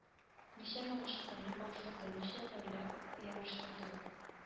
Ничәмә гашыйкларны кавыштырды ничә гаилә яраштырды ул